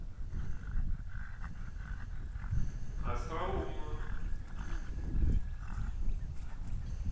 остроумную